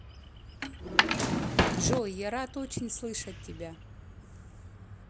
джой я рад очень слышать тебя